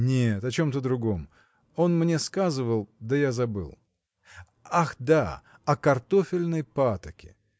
– Нет, о чем-то другом; он мне сказывал, да я забыл. ах, да: о картофельной патоке.